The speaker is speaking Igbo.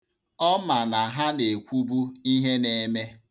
Ọ ma na ha na-ekwubu ihe na-eme.